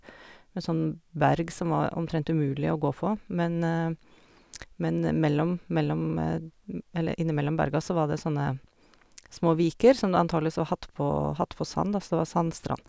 Med sånn berg som var omtrent umulig å gå på, men men mellom mellom eller innimellom berga så var det sånne små viker som det antageligvis var hatt på hatt på sand, da, så det var sandstrand.